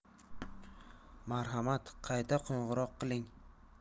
marhamat qayta qo'ng'iroq qiling